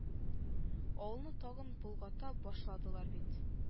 Авылны тагын болгата башладылар бит